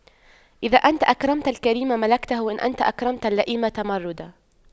إذا أنت أكرمت الكريم ملكته وإن أنت أكرمت اللئيم تمردا